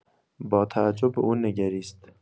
با تعجب به او نگریست.